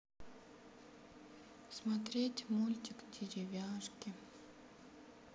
смотреть мультик деревяшки